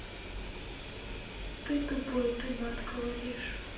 ты тупой ты мат говоришь